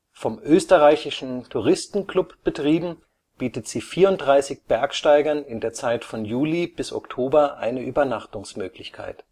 Vom Österreichischen Touristenklub betrieben, bietet sie 34 Bergsteigern in der Zeit von Juli bis Oktober eine Übernachtungsmöglichkeit